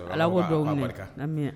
Cɛkɔrɔba Ala k'o duwawu minɛ ko a barika amina